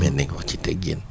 mais nañ ko wax ci teggin